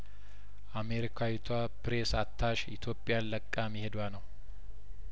አሜሪካዊቷ ኘሬስ አታሽ ኢትዮጵያን ለቃ መሄዷ ነው